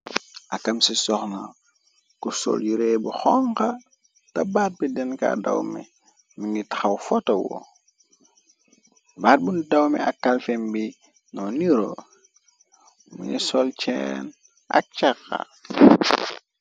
Akam ci soxna ku sol yuree bu xonga, ta baat bi denka dawmi, mi ngit xaw fotowo, baat bunu dawme ak calfen bi, no nuro, munu sol ceen ak caqa.